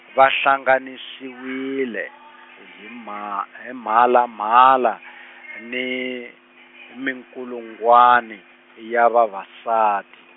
va hlanganisiwile, o hi mha, hi mhalamhala, ni, minkulungwani, ya vavasati.